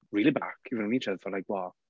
Reel it back you've known each other for like what?